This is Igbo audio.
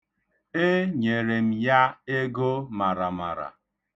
Enyere m ya ego maramara.